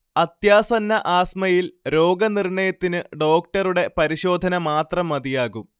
അത്യാസന്ന ആസ്മയിൽ രോഗനിർണയത്തിന് ഡോക്ടറുടെ പരിശോധന മാത്രം മതിയാകും